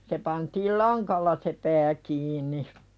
se pantiin langalla se pää kiinni